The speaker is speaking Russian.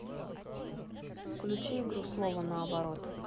включи игру слова наоборот